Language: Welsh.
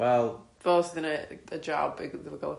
Wel.. Fo sy' 'di 'neud y jab...